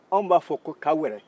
anw b'a fɔ ko kawɛrɛ